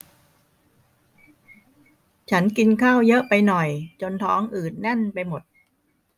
ฉันกินข้าวเยอะไปหน่อยจนท้องอืดแน่นไปหมด